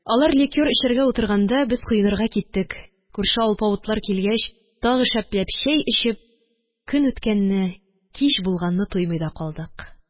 Алар ликёр эчәргә утырганда, без коенырга киттек; күрше алпавытлар килгәч, тагы шәпләп чәй эчеп, көн үткәнне, кич булганны тоймый да калдык.